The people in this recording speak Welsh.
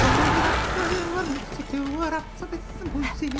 Gawn ni ddawnsio hefo'r miwsig, dyw yr amser byth yn bwysig.